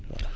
voilà